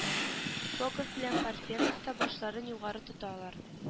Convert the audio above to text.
Богов белән парфенов та башларын югары тоталар